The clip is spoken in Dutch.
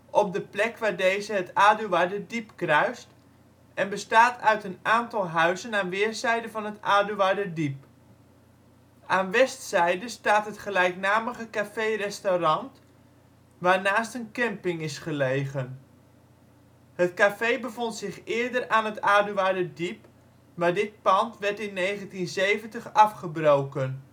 op de plek waar deze het Aduarderdiep kruist en bestaat uit een aantal huizen aan weerszijden van het Aduarderdiep. Aan westzijde staat het gelijknamige café-restaurant, waarnaast een camping is gelegen. Het café bevond zich eerder aan het Aduarderdiep, maar dit pand werd in 1970 afgebroken